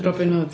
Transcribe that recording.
Robin Hood.